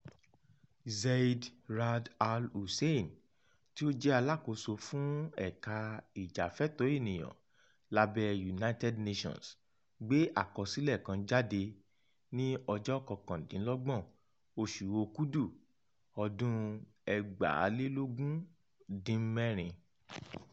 Zeid Ra'ad Al Hussein, tí ó jẹ́ aṣàkóso fún ẹ̀ka ìjàfẹ́tọ̀ọ́ ènìyàn lábẹ́ United Nations gbé àkọsílẹ̀ kan jáde ní 29, oṣù Òkúdù 2016.